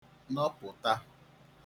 nọpụ̀ta